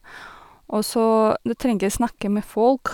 Og så du trenger snakke med folk.